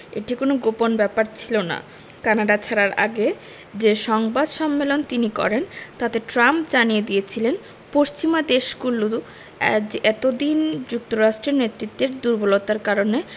এটি কোনো গোপন ব্যাপার ছিল না কানাডা ছাড়ার আগে যে সংবাদ সম্মেলন তিনি করেন তাতে ট্রাম্প জানিয়ে দিয়েছিলেন পশ্চিমা দেশগুলো এত দিন যুক্তরাষ্ট্রের নেতৃত্বের দুর্বলতার কারণে